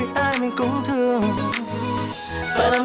vì ai mình cũng thương bao